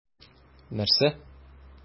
Нәрсә?!